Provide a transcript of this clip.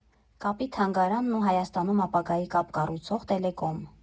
Կապի թանգարանն ու Հայաստանում ապագայի կապ կառուցող «Տելեկոմ։